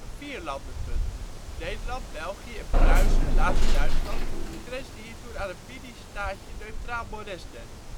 vierlandenpunt. Nederland, België en Pruisen, later Duitsland grensden hier toen aan het ministaatje Neutraal Moresnet